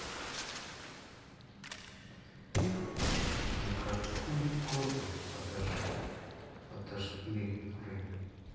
в каком году подожгли рим